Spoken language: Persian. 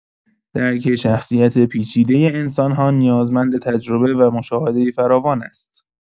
درک شخصیت پیچیدۀ انسان‌ها نیازمند تجربه و مشاهده فراوان است.